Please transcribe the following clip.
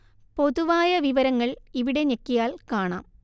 പൊതുവായ വിവരങ്ങൾ ഇവിടെ ഞെക്കിയാൽ കാണാം